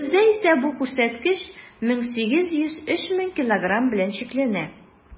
Бездә исә бу күрсәткеч 1800 - 3000 килограмм белән чикләнә.